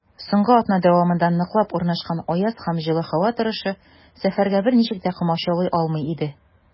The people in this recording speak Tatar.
Соңгы атна дәвамында ныклап урнашкан аяз һәм җылы һава торышы сәфәргә берничек тә комачаулый алмый иде.